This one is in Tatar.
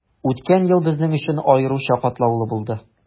Үткән ел безнең өчен аеруча катлаулы булды.